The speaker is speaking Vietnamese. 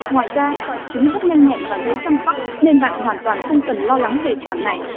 ngoài ra chúng rất nhanh nhẹn và dễ chăm sóc nên bạn hoàn toàn không cần lo lắng về khoản này